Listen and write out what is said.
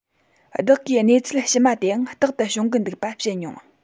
བདག གིས གནས ཚུལ ཕྱི མ དེའང རྟག ཏུ བྱུང གི འདུག པ བཤད མྱོང